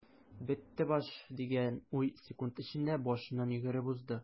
"бетте баш” дигән уй секунд эчендә башыннан йөгереп узды.